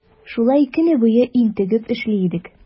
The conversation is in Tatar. Шулай көне буе интегеп эшли идек.